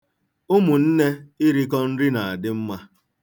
Ụmụnne irikọ nri na-adị mma.